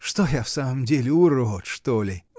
Что я, в самом деле, урод, что ли!